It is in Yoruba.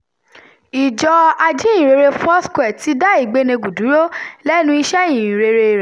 Ìjọ Ajíhìnrere Foursquare ti dá Igbeneghu dúró "lẹ́nu iṣẹ́ ìhìn rere".